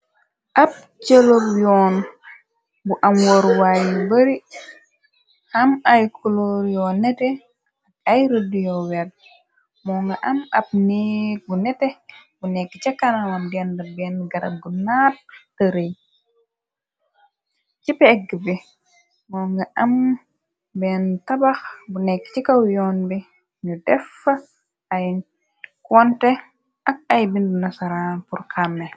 Ab cëlor yoon, bu am woruwaay yu bari, am ay kolorio nete ak ay rëdiyo weg, moo nga am ab nee gu nete bu nekk ca kanaman dend benn garab gu naat, tërëy ci pegg bi moo nga am benn tabax bu nekk ci kaw yoon bi, ñu deffa ay konte ak ay bindu nasaranpur kàmme.